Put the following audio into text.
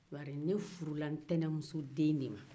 bari ne furu la n'tɛnɛmuso den de ma